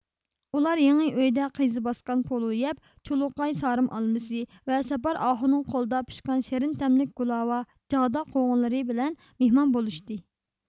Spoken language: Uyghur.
ئۇلار يېڭى ئۆيدە قىيزا باسقان پولۇ يەپ چۇلۇقاي سارىم ئالمىسى ۋە سەپەر ئاخۇننىڭ قولىدا پىشقان شېرىن تەملىك گۇلاۋا جاغدا قوغۇنلىرى بىلەن مېھمان بولۇشتى